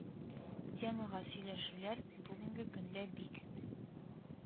Темага сөйләшүләр бүгенге көндә бик